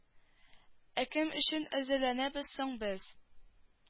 Ә кем өчен әзерләнәбез соң без